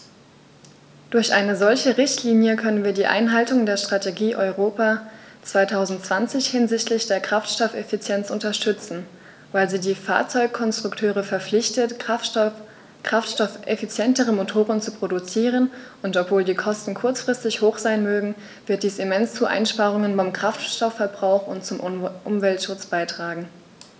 Durch eine solche Richtlinie können wir die Einhaltung der Strategie Europa 2020 hinsichtlich der Kraftstoffeffizienz unterstützen, weil sie die Fahrzeugkonstrukteure verpflichtet, kraftstoffeffizientere Motoren zu produzieren, und obwohl die Kosten kurzfristig hoch sein mögen, wird dies immens zu Einsparungen beim Kraftstoffverbrauch und zum Umweltschutz beitragen.